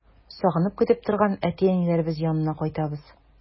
Сагынып көтеп торган әти-әниләребез янына кайтабыз.